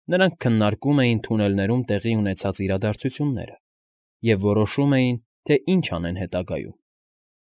Նրանք քննարկում էին թունելներում տեղի ունեցած իրադարձությունները և որոշում էին, թե ինչ անեն հետագայում։